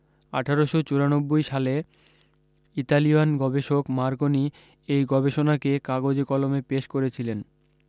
আঠারোশ চুরানব্বৈ সালে ইতালিয়ান গবেষক মার্কনি এই গবেষণাকে কাগজে কলমে পেশ করেছিলেন